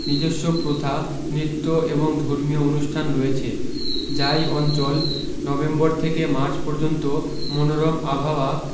নিজস্ব প্রথা নৃত্য এবং ধর্মীয় অনুষ্ঠান রয়েছে যাই অঞ্চল নভেম্বর থেকে মার্চ পর্যন্ত মনোরম আবহাওয়া